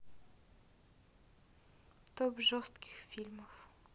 топ жестких фильмов